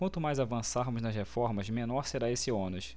quanto mais avançarmos nas reformas menor será esse ônus